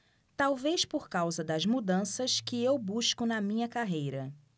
talvez por causa das mudanças que eu busco na minha carreira